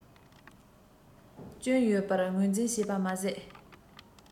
སྐྱོན ཡོད པར ངོས འཛིན བྱས པ མ ཟད